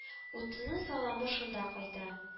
Утыны-саламы шунда кайта